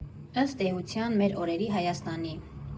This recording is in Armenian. Ըստ էության՝ մեր օրերի Հայաստանի։